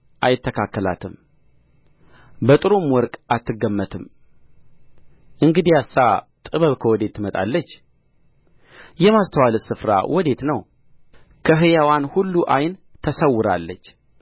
አይተካከላትም በጥሩም ወርቅ አትገመትም እንግዲያሳ ጥበብ ከወዴት ትመጣለች የማስተዋልስ ስፍራ ወዴት ነው ከሕያዋን ሁሉ ዓይን ተሰውራለች